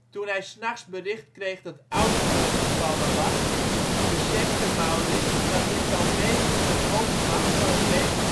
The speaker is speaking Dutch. Toen hij ' s nachts bericht kreeg dat Oudenburg gevallen was, besefte Maurits dat dit wel degelijk de hoofdmacht van het leger